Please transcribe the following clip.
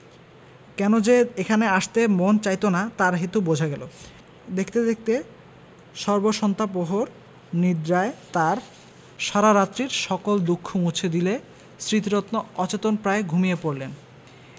কেন যে এখানে আসতে মন চাইত না তার হেতু বোঝা গেল দেখতে দেখতে সর্বসন্তাপহর নিদ্রায় তাঁর সারারাত্রির সকল দুঃখ মুছে দিলে স্মৃতিরত্ন অচেতনপ্রায় ঘুমিয়ে পড়লেন